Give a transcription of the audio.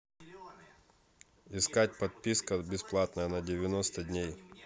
искать подписка бесплатная на девяносто дней